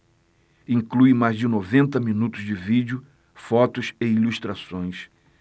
inclui mais de noventa minutos de vídeo fotos e ilustrações